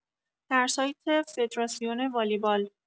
در سایت فدراسیون والیبال